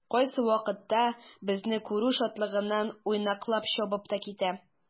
Кайсы вакытта безне күрү шатлыгыннан уйнаклап чабып та китә.